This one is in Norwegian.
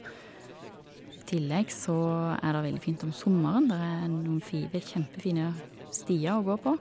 I tillegg så er der veldig fint om sommeren, der er noen fi ve kjempefine stier å gå på.